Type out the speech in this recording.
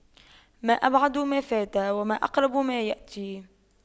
ما أبعد ما فات وما أقرب ما يأتي